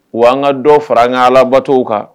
Wa an ka dɔ fara anga ala bato kan